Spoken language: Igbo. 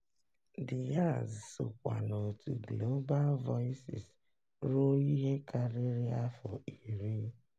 Díaz sokwa n'òtù Global Voices ruo ihe karịrị afọ iri.